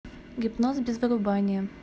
гипноз без вырубания